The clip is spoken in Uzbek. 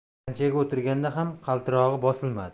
tanchaga o'tirganda ham qaltirog'i bosilmadi